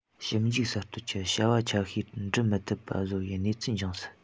ཞིབ འཇུག གསར གཏོད ཀྱི བྱ བ ཆ ཤས འགྲུབ མི ཐུབ པ བཟོ བའི གནས ཚུལ འབྱུང སྲིད